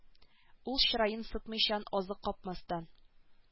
Ул чыраен сытмыйчан азык капмастан